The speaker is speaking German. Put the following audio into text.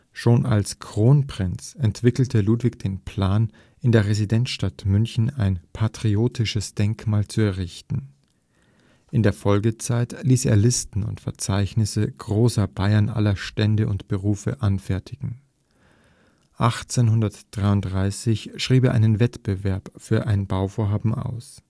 Schon als Kronprinz entwickelte Ludwig den Plan, in der Residenzstadt München ein patriotisches Denkmal zu errichten, in der Folgezeit ließ er Listen und Verzeichnisse „ großer” Bayern aller Stände und Berufe anfertigen. 1833 schrieb er einen Wettbewerb für sein Bauvorhaben aus